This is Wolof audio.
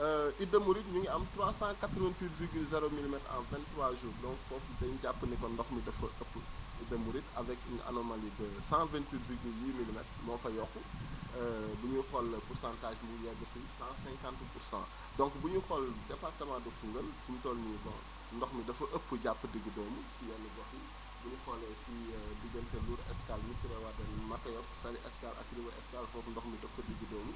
Idda Mouride ñu ngi am 388 virgule 0 milimètres en 23 jours donc foofu dañu jàpp ne kon ndox mi daf fa ëpp Idda Mouride avec une anomalie de 128 virgule 8 milimètres moo fa yokku bu ñuy xool pourcentage mu ngi yegg si 150 pour cent donc bu ñuy xool déparetement de Koungheul fi mu toll nii bon ndox mi dafa ëpp jàpp diggudóomu si yenn gox yi bu ñu xoolee si diggante Lour vEscale Missira Wadeen Maka Yob Saly Escale ak li wër Escale foofu ndox mi daf fa diggudóomu